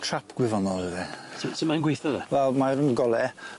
Trap gwyddono . Su' su' mae'n gweitho de? Wel mae'r gole